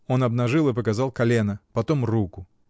Он обнажил и показал колено, потом руку.